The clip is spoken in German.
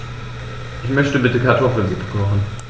Ich möchte bitte Kartoffelsuppe kochen.